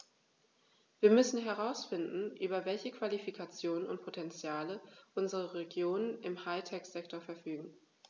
Wir müssen herausfinden, über welche Qualifikationen und Potentiale unsere Regionen im High-Tech-Sektor verfügen.